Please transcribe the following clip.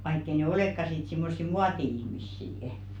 vaikka ei ne olekaan sitten semmoisia muoti-ihmisiä